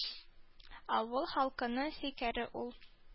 Авыл халкының фикере ул.